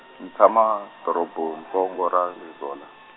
ni tshama dorobantsongo ra le Zola.